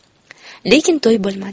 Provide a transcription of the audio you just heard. lekin to'y bo'lmadi